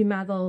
Dwi'n meddwl,